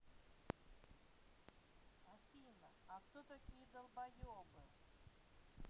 афина а кто такие долбаебы